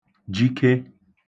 jike